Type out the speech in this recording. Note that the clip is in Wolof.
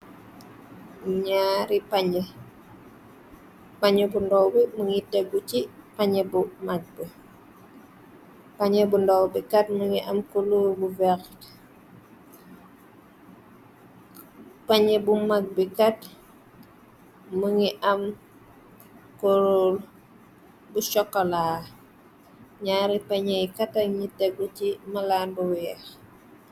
Ñaari pañye, pañye bu ndow bi mungi tegu si pañye bu mag bi, pañye bu ndaw bi kat mungi am kolor bu verta, pañye bu mag bi kat mu ngi am kolor bu sokola, ñaari pañue katal ñi teggu ci malaan bu weex.